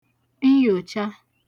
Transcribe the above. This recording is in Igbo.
nyòcha